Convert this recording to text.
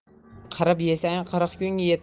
qirib yesang qirq kunga